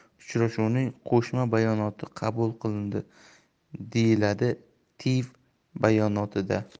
uchrashuvining qo'shma bayonoti qabul qilindi deyiladi tiv bayonotida